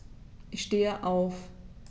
Ich stehe auf.